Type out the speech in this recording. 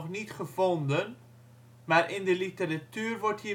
niet gevonden, maar in de literatuur wordt